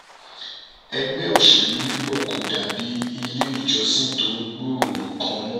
Ẹgbẹ́ òṣèlú Labour ko dàbíi ilé ìjọsín tó gbòòrò kan mọ.